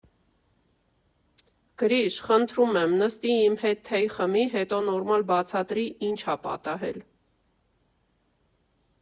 Գրիշ, խնդրում եմ, նստի իմ հետ թեյ խմի, հետո նորմալ բացատրի՝ ինչ ա պատահել։